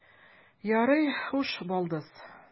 Ярый, хуш, балдыз.